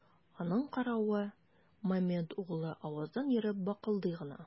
Аның каравы, Мамед углы авызын ерып быкылдый гына.